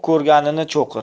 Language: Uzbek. tovuq ko'rganin cho'qir